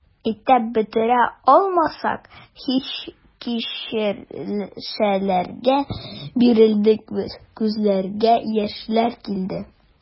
Әйтеп бетерә алмаслык хис-кичерешләргә бирелдек без, күзләргә яшьләр килде.